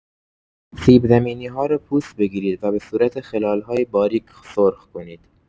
سیب‌زمینی‌ها را پوست بگیرید و به صورت خلال‌های باریک سرخ کنید.